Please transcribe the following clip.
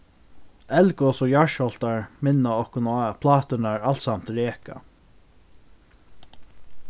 eldgos og jarðskjálvtar minna okkum á at pláturnar alsamt reka